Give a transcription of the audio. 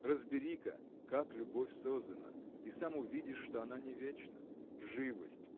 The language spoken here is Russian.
Разбери-ка, как любовь создана, и сам увидишь, что она не вечна! Живость